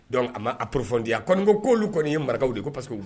Dɔnku a ma a poropondi a ko ko'olu kɔni ye marakaw wele ye ko pa que